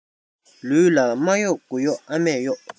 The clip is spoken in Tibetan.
ལུས ལ མ གཡོགས དགུ གཡོགས ཨ མས གཡོགས